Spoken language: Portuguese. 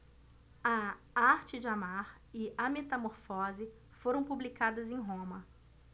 a arte de amar e a metamorfose foram publicadas em roma